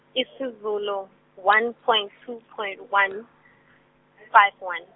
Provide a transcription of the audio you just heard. isiZulu one point two point one , five one.